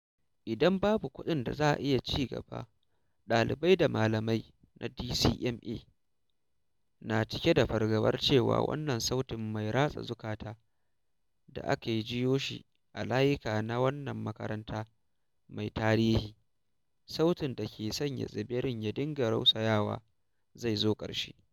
Idan babu kuɗin da za a iya cigaba, ɗalibai da malaman na DCMA na cike da fargabar cewa wannan sautin mai ratsa zukata da ake jiyo shi a layika na wannan makaranta mai tarihi, sautin da ke sanya tsibirin ya dinga rausayawa zai zo ƙarshe.